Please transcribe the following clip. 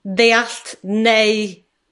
ddeallt neu